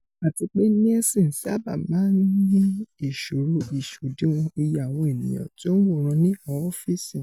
Àtipé Nielsen sáábà máa ń ní ìṣòro ìṣòdiwọ̀n iye àwọn ènìyàn ti o ń wòran ní àwọn ọ́fíìsì.